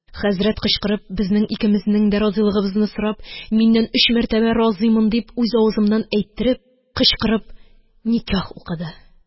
Хәзрәт, кычкырып, безнең икемезнең дә разыйлыгымызны сорап, миннән өч мәртәбә разыймын дип үз авызымнан әйттереп, кычкырып никях укыды.